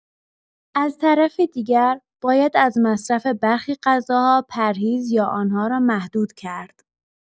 از طرف دیگر، باید از مصرف برخی غذاها پرهیز یا آن‌ها را محدود کرد.